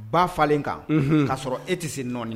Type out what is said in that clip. Ba falenlen kan k'a sɔrɔ e tɛ se nɔɔni